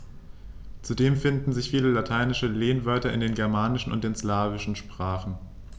Zudem finden sich viele lateinische Lehnwörter in den germanischen und den slawischen Sprachen.